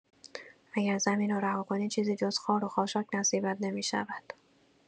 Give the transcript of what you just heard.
اگر زمین را رها کنی، چیزی جز خار و خاشاک نصیبت نمی‌شود.